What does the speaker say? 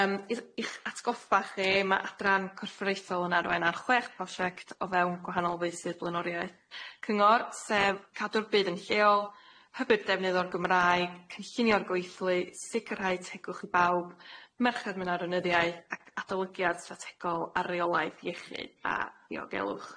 Yym i'r i'ch atgoffa chi ma' adran corfforaethol yn arwain ar chwech prosiect o fewn gwahanol feysydd blaenoriaeth Cyngor sef Cadw'r Byd yn Lleol, Hybyd Defnydd o'r Gymraeg, Cynllunio'r Gweithlu, Sicrhau Tegwch i Bawb, Merched myna'r Enyddiau, adelygiad strategol ar reolaidd iechyd a diogelwch.